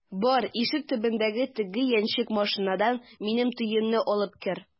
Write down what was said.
Бар, ишек төбендәге теге яньчек машинадан минем төенне алып кер!